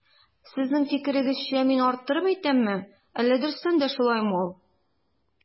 Сезнең фикерегезчә мин арттырып әйтәмме, әллә дөрестән дә шулаймы ул?